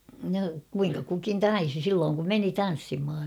no kuinka kukin taisi silloin kun meni tanssimaan